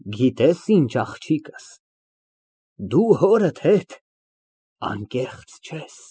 Գիտես ինչ, աղջիկս, դու հորդ հետ անկեղծ չես։